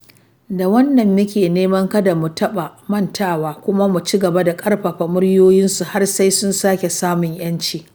Da wannan, muke neman kada mu taɓa mantawa, kuma mu ci gaba da ƙarfafa muryoyinsu har sai sun sake samun yanci.